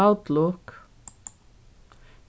outlook